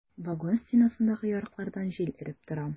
Вагон стенасындагы ярыклардан җил өреп тора.